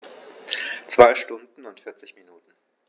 2 Stunden und 40 Minuten